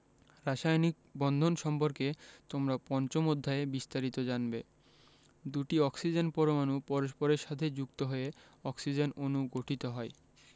রাসায়নিক বন্ধন সম্পর্কে তোমরা পঞ্চম অধ্যায়ে বিস্তারিত জানবে দুটি অক্সিজেন পরমাণু পরস্পরের সাথে যুক্ত হয়ে অক্সিজেন অণু গঠিত হয়